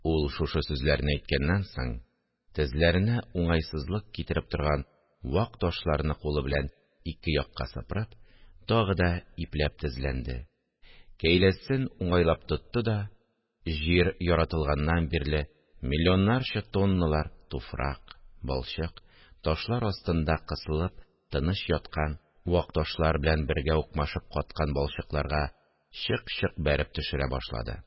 Ул шушы сүзләрне әйткәннән соң, тезләренә уңайсызлык китереп торган вак ташларны кулы белән ике якка сыпырып, тагы да ипләп тезләнде, кәйләсен уңайлап тотты да җир яратылганнан бирле миллионнарча тонналар туфрак, балчык, ташлар астында кысылып тыныч яткан, вак ташлар белән бергә укмашып каткан балчыкларга чык-чык бәреп төшерә башлады